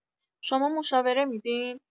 شما مشاوره می‌دین؟